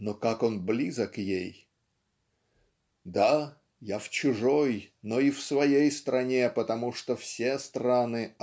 но как он близок ей!" "Да я в чужой но и в своей стране потому что все страны